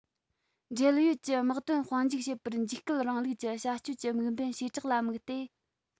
འབྲེལ ཡོད ཀྱི དམག དོན དཔུང འཇུག བྱེད པར འཇིགས སྐུལ རིང ལུགས ཀྱི བྱ སྤྱོད ཀྱི དམིགས འབེན བྱེ བྲག ལ དམིགས ཏེ